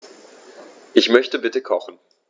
Ich möchte bitte kochen.